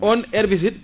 on herbicide